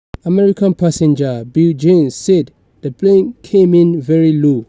American passenger Bill Jaynes said the plane came in very low.